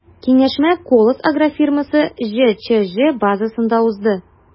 Киңәшмә “Колос” агрофирмасы” ҖЧҖ базасында узды.